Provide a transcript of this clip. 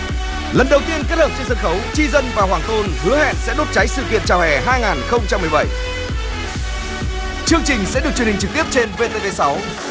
lần đầu tiên kết hợp trên sân khấu chi dân và hoàng tôn hứa hẹn sẽ đốt cháy sự kiện chào hè hai ngàn không trăm mười bảy chương trình sẽ được truyền hình trực tiếp trên vê tê vê sáu